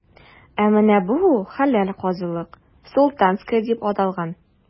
Ә менә бу – хәләл казылык,“Султанская” дип аталган.